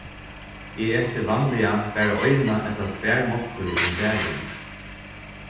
eg eti vanliga bara eina ella tvær máltíðir um dagin